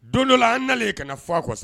Don dɔ la an nalen ye kana faa kɔ